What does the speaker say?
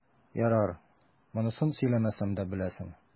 Ярар, монысын сөйләмәсәм дә беләсең.